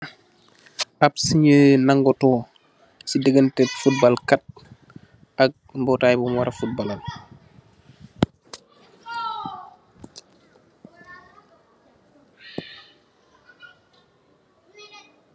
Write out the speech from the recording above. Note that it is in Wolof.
Ab sinyeeh nangotoo, si diganteuh football kat, ak mbotaay bum wara football lat.